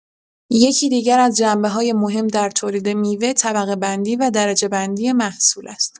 یکی دیگر از جنبه‌های مهم در تولید میوه، طبقه‌بندی و درجه‌بندی محصول است.